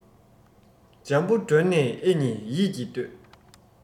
འཇམ པོ བསྒྲོན ནས ཨེ མཉེས ཡིད ཀྱིས ལྷོས